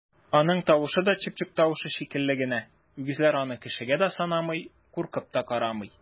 Аның тавышы да чыпчык тавышы шикелле генә, үгезләр аны кешегә дә санамый, куркып та карамый!